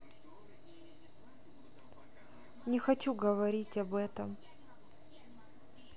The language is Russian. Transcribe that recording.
не хочу говорить об этом